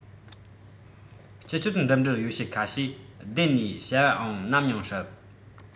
སྤྱི སྤྱོད འགྲིམ འགྲུལ ཡོ བྱད ཁ ཤས བསྡད ནས བྱ བའང ནམ ཡང སྲིད